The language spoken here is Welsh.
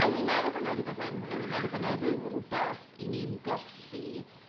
A wi meddwl bo' 'na r'wbeth yn hwnna wi'n meddwl bo 'na ryw r'wbeth 'yn ni'n golli